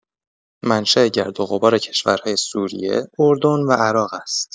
منشاء گرد و غبار کشورهای سوریه، اردن و عراق است.